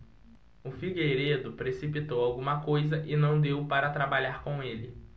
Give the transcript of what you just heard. o figueiredo precipitou alguma coisa e não deu para trabalhar com ele